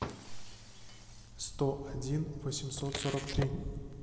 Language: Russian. сто один восемьсот сорок три